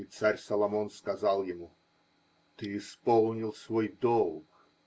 И царь Соломон сказал ему: -- Ты исполнил свой долг.